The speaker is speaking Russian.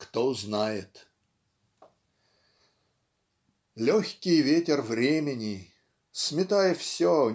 Кто знает?" "Легкий ветер времени" сметая все